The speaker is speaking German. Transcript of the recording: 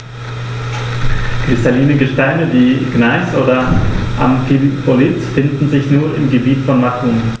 Kristalline Gesteine wie Gneis oder Amphibolit finden sich nur im Gebiet von Macun.